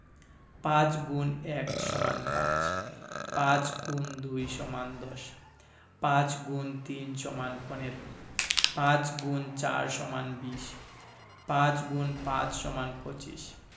৫× ১ = ৫ ৫× ২ = ১০ ৫× ৩ = ১৫ ৫× ৪ = ২০ ৫× ৫ = ২৫